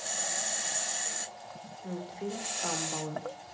мультфильм камбалы